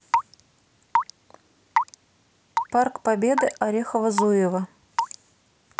парк победы орехово зуево